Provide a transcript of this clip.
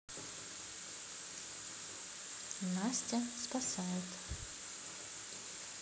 настя спасает